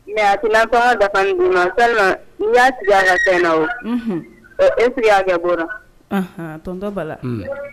Mɛ tilafa dafa walima n y'aya senna o eya kɛ bɔra tɔn bala